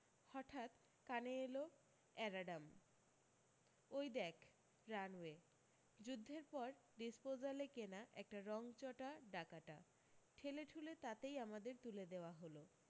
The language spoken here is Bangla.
হঠাত কানে এল এরাড্যাম ওই দেখ রানওয়ে যুদ্ধের পর ডিসপোজালে কেনা একটা রংচটা ডাকাটা ঠেলেঠুলে তাতেই আমাদের তুলে দেওয়া হল